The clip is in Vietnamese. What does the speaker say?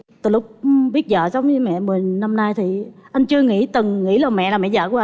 từ lúc biết dợ sống với mẹ mười năm nay thì anh chưa nghĩ từng nghĩ là mẹ là mẹ dợ của